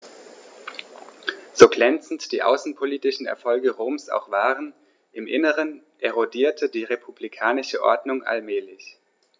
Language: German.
So glänzend die außenpolitischen Erfolge Roms auch waren: Im Inneren erodierte die republikanische Ordnung allmählich.